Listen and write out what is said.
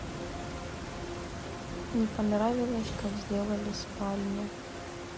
не понравилось как сделали спальня